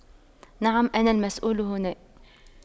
نعم انا المسؤول هنا